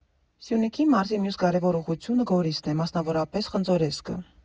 Սյունիքի մարզի մյուս կարևոր ուղղությունը Գորիսն է, մասնավորապես՝ Խնձորեսկը։